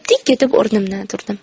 dik etib o'rnimdan turdim